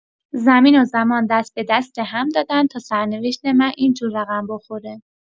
زمین و زمان دست به دست هم دادن تا سرنوشت من اینجور رقم بخوره!